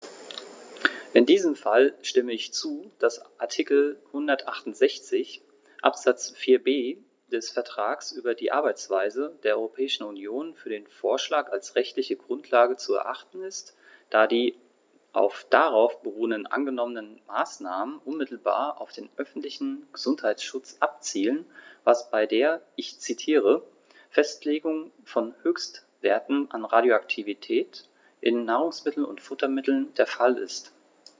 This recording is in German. In diesem Fall stimme ich zu, dass Artikel 168 Absatz 4b des Vertrags über die Arbeitsweise der Europäischen Union für den Vorschlag als rechtliche Grundlage zu erachten ist, da die auf darauf beruhenden angenommenen Maßnahmen unmittelbar auf den öffentlichen Gesundheitsschutz abzielen, was bei der - ich zitiere - "Festlegung von Höchstwerten an Radioaktivität in Nahrungsmitteln und Futtermitteln" der Fall ist.